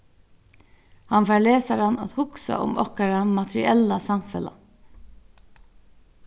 hann fær lesaran at hugsa um okkara materiella samfelag